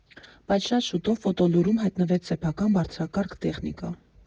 Բայց շատ շուտով «Ֆոտոլուրում» հայտնվեց սեփական բարձրակարգ տեխնիկա։